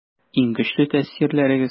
Иң көчле тәэсирләрегез?